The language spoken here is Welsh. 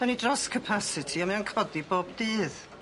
'Dyn ni dros capasiti a mae o'n codi bob dydd.